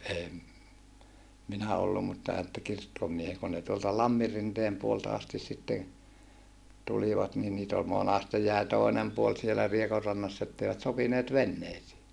en minä ollut mutta että kirkkomiehet kun ne tuolta Lamminrinteen puolelta asti sitten tulivat niin niitä oli monasti jäi toinen puoli siellä Riekonrannassa että eivät sopineet veneisiin